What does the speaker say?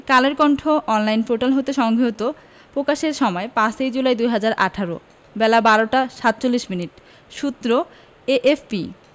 কালের Kantho online portal হতে সংগৃহীত পকাশের সময় ৫ জুলাই ২০১৮ বেলা ১২টা ৪৭ মিনিট সূত্র এএফপি